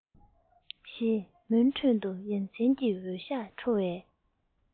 ཞེས མུན ཁྲོད དུ ཡ མཚན གྱི འོད ཞགས འཕྲོ བའི